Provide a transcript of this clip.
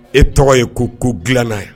E tɔgɔ ye ko ko dilanna ye